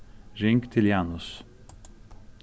ring til janus